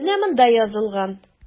Менә монда язылган.